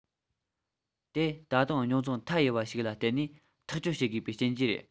དེ ད དུང རྙོག འཛིང མཐའ ཡས པ ཞིག ལ བརྟེན ནས ཐག གཅོད བྱེད དགོས པའི རྐྱེན གྱིས རེད